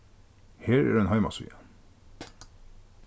her er ein heimasíða